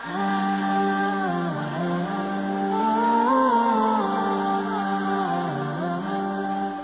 San